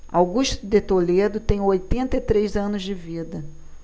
augusto de toledo tem oitenta e três anos de vida